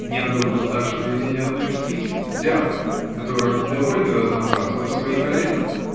не одобрил также поведения одной птицы -- зяблика, -- которая не довольно разнообразила свои колена!